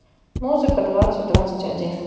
музыка двадцать двадцать один